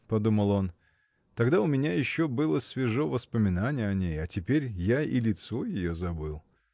— подумал он, — тогда у меня еще было свежо воспоминание о ней, а теперь я и лицо ее забыл!